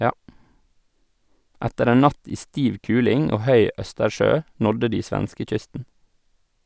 Etter en natt i stiv kuling og høy Østersjø nådde de svenskekysten.